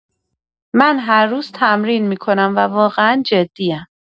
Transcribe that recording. من هر روز تمرین می‌کنم و واقعا جدی‌ام.